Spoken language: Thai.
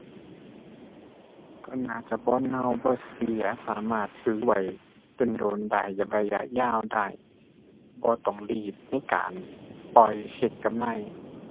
ก็น่าจะบ่เน่าบ่เสีย สามารถซื้อไว้โดนโดนได้ ระยะยาวได้ บ่ต้องรีบในการปล่อยเฮ็ดกำไร